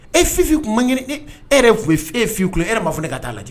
E fifi tun mang e e yɛrɛ tun e fi kun e m ma fɔ ne ka taaa lajɛ